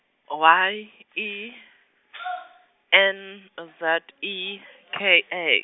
Y, E, N, Z E, K A.